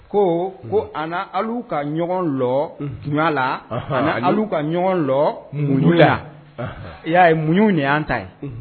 Ko ko a ka ɲɔgɔnlɔ la ka ɲɔgɔnlɔ mu la y'a ye muɲ de yanan ta ye